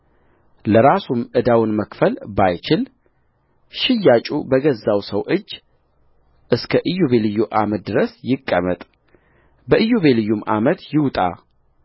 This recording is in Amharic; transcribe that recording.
ለራሱም ዕዳውን መክፈል ባይችል ሽያጩ በገዛው ሰው እጅ እስከ ኢዮቤልዩ ዓመት ድረስ ይቀመጥ በኢዮቤልዩም ዓመት ይውጣ